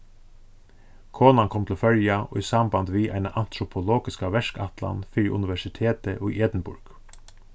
konan kom til føroya í samband við eina antropologiska verkætlan fyri universitetið í edinburgh